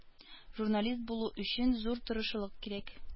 Журналист булу өчен зур тырышлык кирәк.